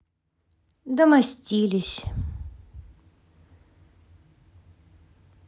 домостиль